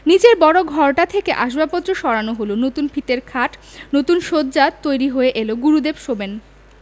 নীচের বড় ঘরটা থেকে আসবাবপত্র সরানো হলো নতুন ফিতের খাট নতুন শয্যা তৈরি হয়ে এলো গুরুদেব শোবেন